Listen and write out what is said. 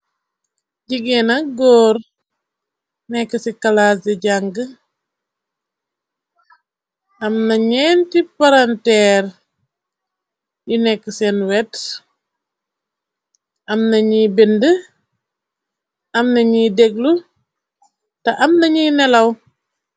Jigeen ak gór nèkka ci kalas di jànga am na ñénti palanteer yu nèkka sèèn wet am na ñuy bindi am na ñuy dèglu té am na ñuy nelaw.